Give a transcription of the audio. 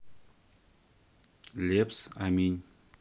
лепс аминь